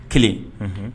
Kelen